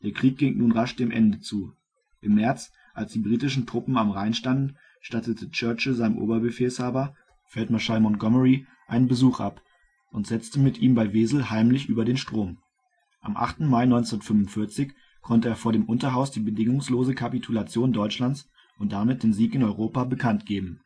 Krieg ging nun rasch dem Ende zu. Im März, als die britischen Truppen am Rhein standen, stattete Churchill seinem Oberbefehlshaber, Feldmarschall Montgomery, einen Besuch ab und setzte mit ihm bei Wesel heimlich über den Strom. Am 8. Mai 1945 konnte er vor dem Unterhaus die bedingungslose Kapitulation Deutschlands und damit den Sieg in Europa bekannt geben